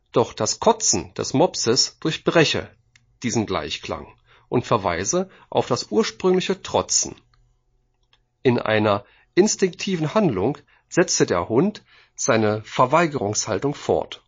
Doch das Kotzen des Mopses durchbreche diesen Gleichklang und verweise auf das ursprüngliche Trotzen: in einer instinktiven Handlung setze der Hund seine Verweigerungshaltung fort